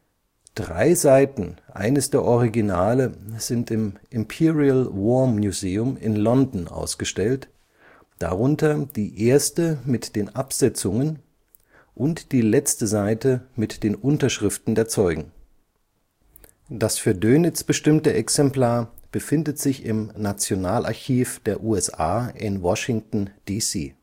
Drei Seiten eines der Originale sind im Imperial War Museum in London ausgestellt, darunter die erste mit den Absetzungen und die letzte Seite mit den Unterschriften der Zeugen. Das für Dönitz bestimmte Exemplar befindet sich im Nationalarchiv der USA in Washington, D.C.